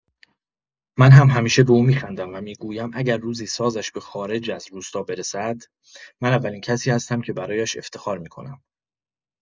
من هم همیشه به او می‌خندم و می‌گویم اگر روزی سازش به خارج از روستا برسد، من اولین کسی هستم که برایش افتخار می‌کنم.